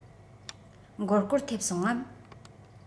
མགོ སྐོར ཐེབས སོང ངམ